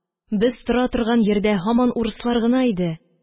Без тора торган йирдә һаман урыслар гына иде.